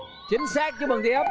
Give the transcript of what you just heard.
chính xác chúc mừng ti ấp